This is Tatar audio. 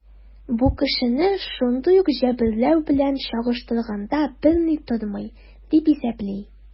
Бу кешене шундый ук җәберләү белән чагыштырганда берни тормый, дип исәпли.